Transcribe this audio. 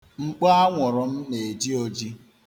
Mkpo anwụrụ m na-eji oji.